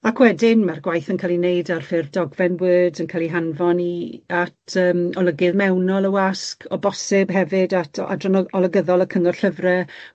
Ac wedyn ma'r gwaith yn ca'l 'i neud ar ffurf dogfen Word, yn ca'l 'i hanfon i at yym olygydd mewnol y wasg, o bosib hefyd at o- adran ol- olygyddol y cyngor llyfre